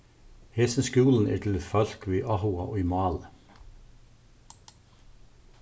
hesin skúlin er til fólk við áhuga í máli